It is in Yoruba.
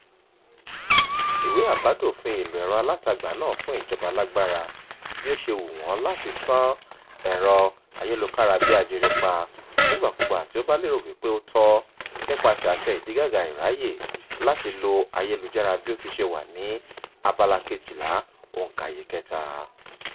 Ìwé àbádòfin ìlò ẹ̀rọ alátagbà náà fún ìjọba lágbára bí ó ṣe hù wọ́n láti ṣán ẹ̀rọ ayélukára bí ajere pa nígbàkúùgbà tí ó bá lérò wípé ó tọ́, nípasẹ̀ "Àṣẹ Ìdígàgá Ìráyè" láti lo ayélujára bí ó ti ṣe wà ní Abala 12, òǹkaye 3: